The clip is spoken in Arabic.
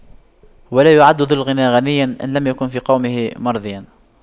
ولا يعد ذو الغنى غنيا إن لم يكن في قومه مرضيا